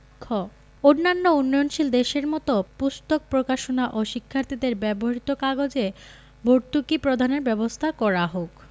খ অন্যান্য উন্নয়নশীল দেশের মত পুস্তক প্রকাশনা ও শিক্ষার্থীদের ব্যবহৃত কাগজে ভর্তুকি প্রদানের ব্যবস্থা করা হোক